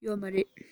ཡོད མ རེད